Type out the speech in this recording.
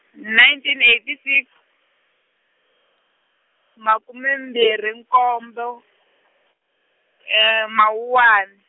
nineteen eighty six, makume mbirhi nkombo , Mawuwani.